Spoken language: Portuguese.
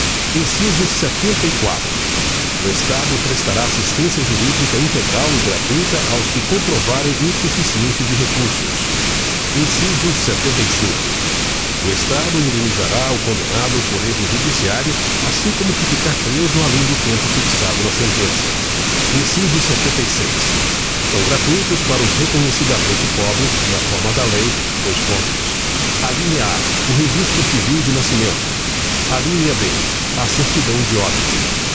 inciso setenta e quatro o estado prestará assistência jurídica integral e gratuita aos que comprovarem insuficiência de recursos inciso setenta e cinco o estado indenizará o condenado por erro judiciário assim como o que ficar preso além do tempo fixado na sentença inciso setenta e seis são gratuitos para os reconhecidamente pobres na forma da lei dois pontos alínea a o registro civil de nascimento alínea b a certidão de óbito